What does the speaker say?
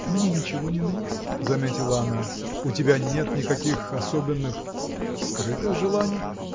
– Мне ничего не нужно, – заметила она. – У тебя нет никаких особенных. скрытых желаний?